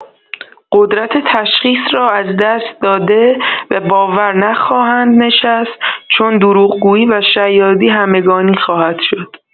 قدرت تشخیص را از دست داده، به باور نخواهند نشست، چون دروغگویی و شیادی همگانی خواهد شد.